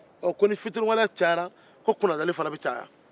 ɔ ko ni fitiriwaleya cayala ko kunnadali fana bɛ caya